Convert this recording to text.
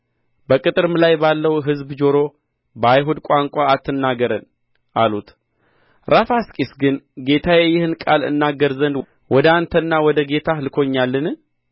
በቅጥርም ላይ ባለው ሕዝብ ጆሮ በአይሁድ ቋንቋ አትናገረን አሉት ራፋስቂስ ግን ጌታዬ ይህን ቃል እናገር ዘንድ ወደ አንተና ወደ ጌታህ ልኮኛልን